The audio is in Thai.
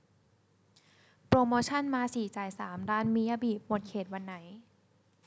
โปรโมชันมาสี่จ่ายสามร้านมิยาบิหมดเขตวันไหน